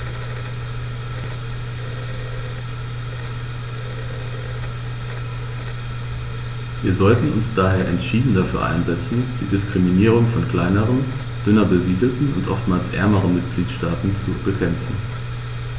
Wir sollten uns daher entschieden dafür einsetzen, die Diskriminierung von kleineren, dünner besiedelten und oftmals ärmeren Mitgliedstaaten zu bekämpfen.